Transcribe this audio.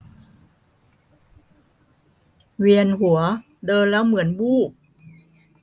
เวียนหัวเดินแล้วเหมือนวูบ